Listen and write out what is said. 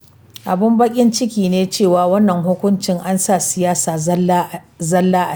Abin bakin ciki ne cewa wannan hukunci ansa siyasa zalla aciki.